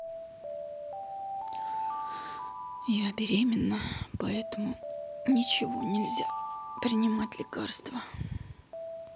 я беременна поэтому ничего нельзя принимать лекарства